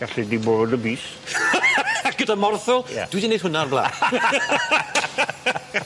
Galle di bwrw dy bys. Gyda morthwl? Ie. Dwi 'di neud hwnna o'r bla'n.